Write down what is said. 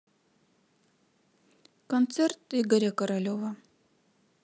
концерт игоря королева